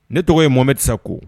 Ne tɔgɔ ye Mohamɛdi Sako.